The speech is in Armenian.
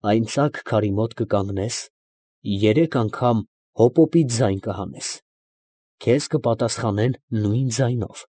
Այն ծակ քարի մոտ կկանգնես, երեք անգամ հոպոպի ձայն կհանես. քեզ կպատասխանեն նույն ձայնով։